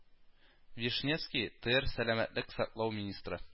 Вишневский, ТР Сәламәтлек саклау министры